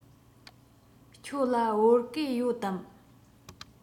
ཁྱོད ལ བོད གོས ཡོད དམ